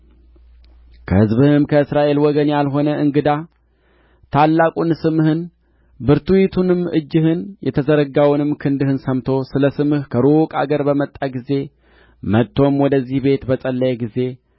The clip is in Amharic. ከሕዝብህም ከእስራኤል ወገን ያልሆነ እንግዳ ታላቁን ስምህን ብርቱይቱንም እጅህን የተዘረጋውንም ክንድህን ሰምቶ ስለ ስምህ ከሩቅ አገር በመጣ ጊዜ መጥቶም ወደዚህ ቤት በጸለየ ጊዜ